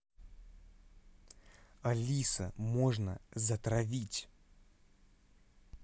алиса можно затравить